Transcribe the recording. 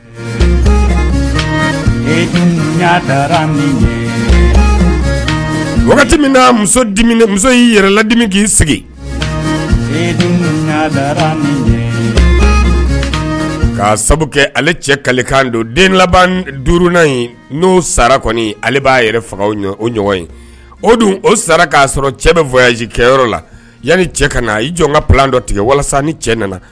Wagati min muso muso y'i yɛrɛ ladimi k'i sigi ka sabu kɛ ale cɛ kalikan don den laban duuruurunan in n'o sara kɔni ale b'a yɛrɛ fagaw o ɲɔgɔn ye o don o sara k'a sɔrɔ cɛ bɛ kɛyɔrɔ la yanni cɛ ka na i jɔn ka p dɔ tigɛ walasa ni cɛ nana